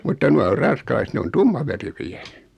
mutta nuo on ranskalaiset ne on tummaverikköjä